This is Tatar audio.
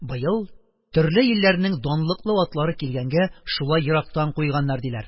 Быел, төрле илләрнең данлыклы атлары килгәнгә, шулай ерактан куйганнар, диләр.